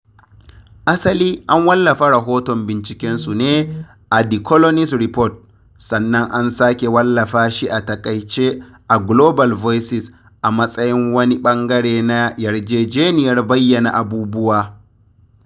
Asali an wallafa rahoton bincikensu ne a The Colonist Report, sannan an sake wallafa shi a taƙaice a Global Voices a matsayin wani ɓangare na yarjejeniyar bayyana abubuwa.